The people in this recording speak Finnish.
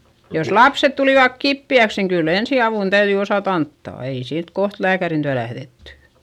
jos lapset tulivat kipeäksi niin kyllä ensiavun täytyi osata antaa ei siitä kohta lääkärin tykö lähdetty